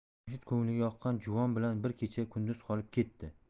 jamshid ko'ngliga yoqqan juvon bilan bir kecha kunduz qolib ketdi